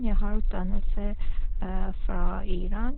Jeg har utdannelse fra Iran.